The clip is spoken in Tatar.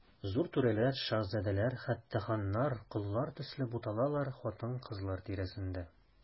Зур түрәләр, шаһзадәләр, хәтта ханнар, коллар төсле буталалар хатын-кызлар тирәсендә.